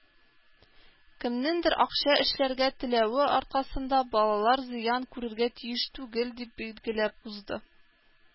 “кемнеңдер акча эшләргә теләве аркасында балалар зыян күрергә тиеш түгел”, - дип билгеләп узды.